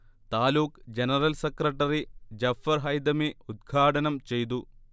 taluk general secretary Jafar Haithami ഉദ്ഘാടനം ചെയ്തു